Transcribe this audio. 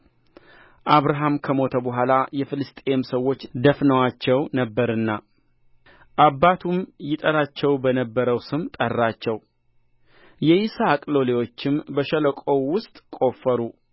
አብርሃም ከሞተ በኋላ የፍልስጥኤም ሰዎች ደፍነዋቸው ነበሩና አባቱም ይጠራቸው በነበረው ስም ጠራቸው የይስሐቅ ሎሌዎችም በሸለቆው ውስጥ ቈፈሩ